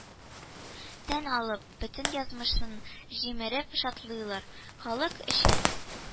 Тән алып, бөтен язмышын җимереп ташлыйлар, халык өчен,